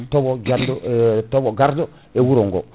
toɓo garɗo e toɓo garɗo e wuro ngo